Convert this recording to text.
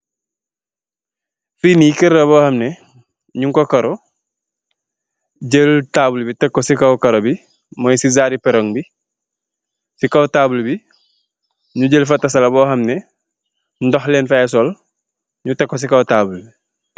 Fiinii kerr la mougui am taboul nyugui tek ci kaw wam amb satallah